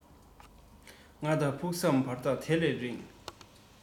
ང དང ཕུགས བསམ བར ཐག དེ ལས རིང